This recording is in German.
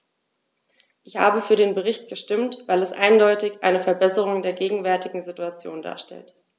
Ich habe für den Bericht gestimmt, weil er eindeutig eine Verbesserung der gegenwärtigen Situation darstellt.